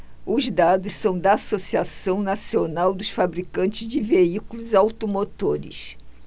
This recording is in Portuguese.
os dados são da anfavea associação nacional dos fabricantes de veículos automotores